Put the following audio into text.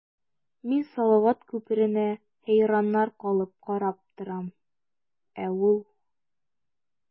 Мин салават күперенә хәйраннар калып карап торам, ә ул...